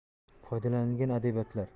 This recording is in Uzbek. foydalanilgan adabiyotlar